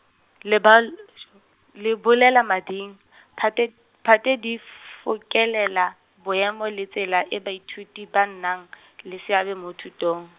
lebal- lebolelamading, phate, phate di fokelela, boemo le tsela e baithuti ba nnang, le seabe mo thutong.